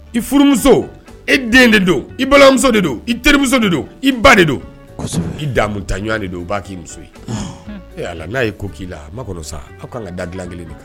I furumuso de den , i den de don, i balimamuso de don, i terimuso de don, i ba de don , i damtaɲɔgɔn de don, i b'a ik'i muso ye, ee allah n'a ye ko k'i la, a ma kɔrɔ sa aw ka kan ka da dilan kelen de kan!